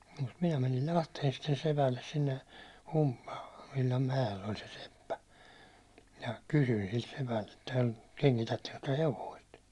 ja mutta minä menin Lahteen sitten sepälle sinne Humpulanvillan mäelle oli se seppä minä kysyin siltä sepältä että kengitättekö te hevosta